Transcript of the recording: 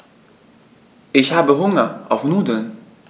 Ich habe Hunger auf Nudeln.